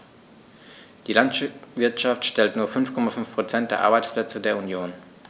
Die Landwirtschaft stellt nur 5,5 % der Arbeitsplätze der Union.